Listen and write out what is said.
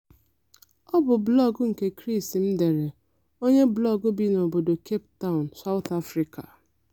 Ọ bụ blọọgụ nke Chris M dere, onye blọọgụ bi n'obodo Cape Town, South Africa.